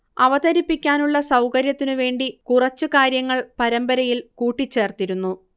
അവതരിപ്പിക്കാനുള്ള സൗകര്യത്തിനു വേണ്ടി കുറച്ച് കാര്യങ്ങൾ പരമ്പരയിൽ കൂട്ടിച്ചേർത്തിരുന്നു